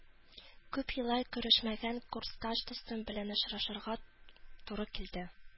Күп еллар күрешмәгән курсташ дустым белән очрашырга туры килде